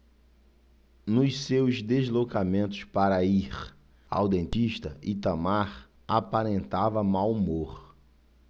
nos seus deslocamentos para ir ao dentista itamar aparentava mau humor